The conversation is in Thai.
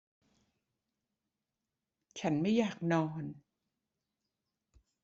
ฉันไม่อยากนอน